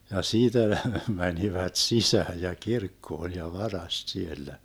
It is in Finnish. ja siitä ne menivät sisään ja kirkkoon ja varasti siellä